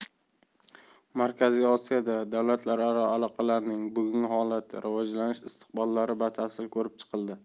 markaziy osiyoda davlatlararo aloqalarning bugungi holati va rivojlanish istiqbollari batafsil ko'rib chiqildi